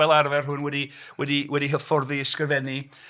Fel arfer rhywun wedi... wedi... wedi hyfforddi i ysgrifennu.